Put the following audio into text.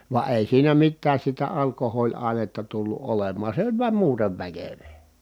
vaan ei siinä mitään sitä alkoholiainetta tullut olemaan se oli vain muuten väkevää